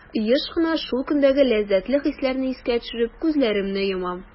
Еш кына шул көндәге ләззәтле хисләрне искә төшереп, күзләремне йомам.